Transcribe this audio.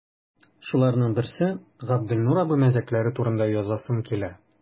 Шуларның берсе – Габделнур абый мәзәкләре турында язасым килә.